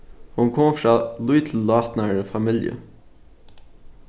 hon kom frá lítillátnari familju